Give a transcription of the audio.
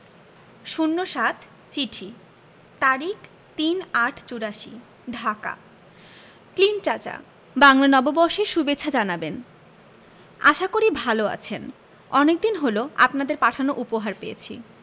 ০৭ চিঠি তারিখ ৩-৮-৮৪ ঢাকা ক্লিন্ট চাচা বাংলা নববর্ষের সুভেচ্ছা জানাবেন আশা করি ভালো আছেন অনেকদিন হল আপনাদের পাঠানো উপহার পেয়েছি